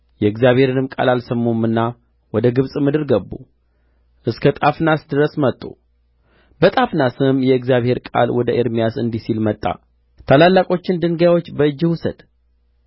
የእግዚአብሔርንም ቃል አልሰሙምና ወደ ግብጽ ምድር ገቡ እስከ ጣፍናስ ድረስ መጡ ጣፍናስም የእግዚአብሔር ቃል ወደ ኤርምያስ እንዲህ ሲል መጣ ታላላቆችን ድንጋዮች በእጅህ ውሰድ